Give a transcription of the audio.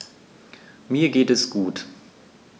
Mir geht es gut.